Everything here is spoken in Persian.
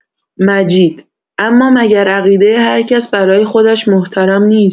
مجید: اما مگر عقیدۀ هر کس برای خودش محترم نیست؟